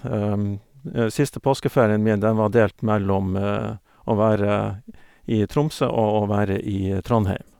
Siste påskeferien min, den var delt mellom å være i i Tromsø og å være i Trondheim.